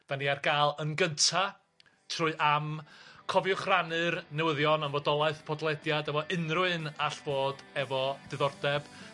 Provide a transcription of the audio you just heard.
'dan ni ar ga'l yn gynta trwy am cofiwch rhannu'r newyddion am fodolaeth podlediad efo unryw un all fod efo diddordeb